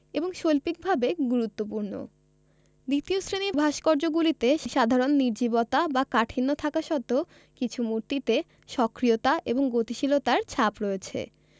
এবং শৈল্পিকভাবে গুরুত্বপূর্ণ দ্বিতীয় শ্রেণির ভাস্কর্যগুলিতে সাধারণ নির্জীবতা বা কাঠিণ্য থাকা সত্ত্বেও কিছু মূর্তিতে সক্রিয়তা এবং গতিশীলতার ছাপ রয়েছে